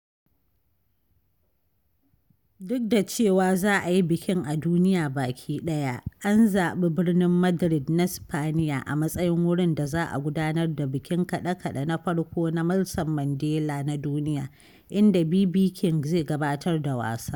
Duk da cewa za a yi bikin a duniya baki ɗaya, an zaɓi birnin Madrid na Sipaniya a matsayin wurin da za a gudanar da bikin kaɗe-kaɗe na farko na Nelson Mandela na duniya, inda BB King zai gabatar da wasa.